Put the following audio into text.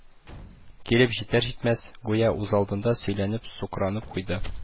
Килеп җитәр-җитмәс, гүя үзалдына сөйләнеп-сукранып куйды: